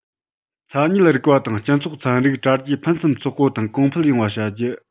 མཚན ཉིད རིག པ དང སྤྱི ཚོགས ཚན རིག གྲ རྒྱས ཕུན སུམ ཚོགས པོ དང གོང འཕེལ ཡོང བ བྱ རྒྱུ